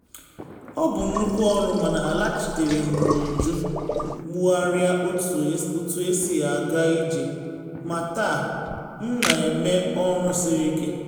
Ọ bụ nnukwu ọrụ mana alaghachitere m n’uju, mụgharịa otu esi aga ije ma taa m na eme ọrụ siri ike!